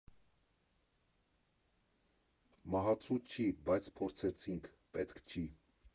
Մահացու չի, բայց փորձեցինք՝ պետք չի։